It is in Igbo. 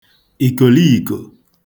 ìkòliìkò